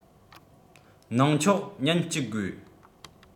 གནང ཆོག ཉིན ༡ དགོས